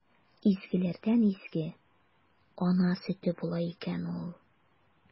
Изгеләрдән изге – ана сөте була икән ул!